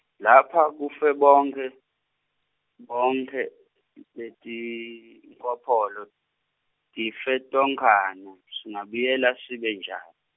lapha kufe bonkhe bonkhe letinkopolo tife tonkhana singabuyela sibe njani.